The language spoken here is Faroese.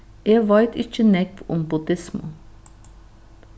eg veit ikki nógv um buddismu